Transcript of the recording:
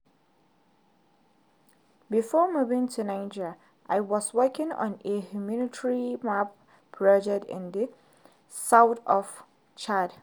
Before moving to Niger, I was working on a humanitarian mapping project in the South of Chad.